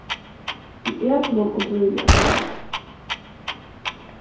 við eplum og drýli afturvið